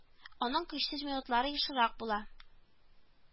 Аның көчсез минутлары ешрак була